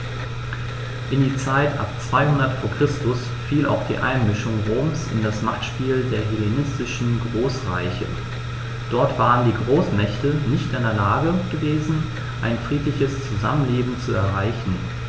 In die Zeit ab 200 v. Chr. fiel auch die Einmischung Roms in das Machtspiel der hellenistischen Großreiche: Dort waren die Großmächte nicht in der Lage gewesen, ein friedliches Zusammenleben zu erreichen.